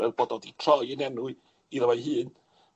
fel bod o 'di troi yn enw i- iddo ei hun,